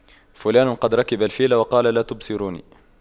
فلان قد ركب الفيل وقال لا تبصروني